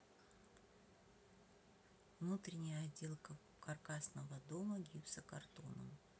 внутренняя отделка каркасного дома гипсокартоном